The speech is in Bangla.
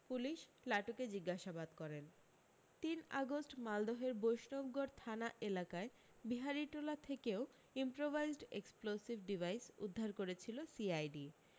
পুলিশ লাটুকে জিজ্ঞাসাবাদ করেন তিন আগষ্ট মালদহের বৈষ্ণবগড় থানা এলাকায় বিহারীটোলা থেকেও ইম্প্রোভাইজড এক্সপ্লোসিভ ডিভাইস উদ্ধার করেছিল সিআইডি